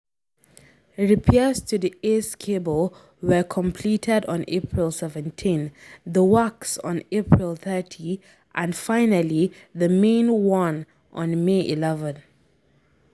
Repairs to the ACE cable were completed on April 17, the WACS on April 30, and, finally, the MainOne on May 11.